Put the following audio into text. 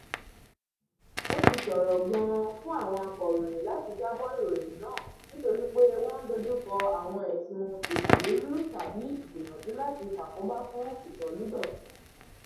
Ó ti ṣòro gan-an fún àwọn akọ̀ròyìn láti jábọ̀ ìròyìn náà, nítorípé wọ́n ń dojúkọ àwọn ẹ̀sùn "ìdàlúrú" tàbí "gbìyànjú láti ṣàkóbá fún ìsọ̀lúdọ̀tun".